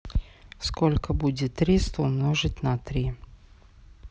сколько будет триста умножить на три